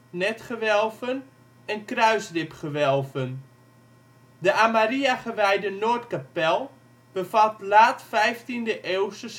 netgewelven en kruisribgewelven. De aan Maria gewijde noordkapel bevat laat vijftiende eeuwse